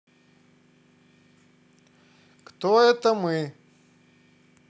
кто это мы